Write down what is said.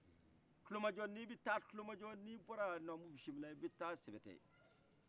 kulomajɔ ni bi taa kulomajɔ ni bɔra namu bisimila i bɛ taa sɛbɛtɛ